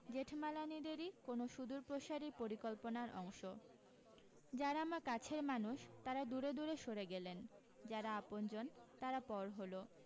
জেঠমালানিদেরই কোনো সুদূরপ্রসারী পরিকল্পনার অংশ যারা আমার কাছের মানুষ তারা দূরে দূরে সরে গেলেন যারা আপনজন তারা পর হলো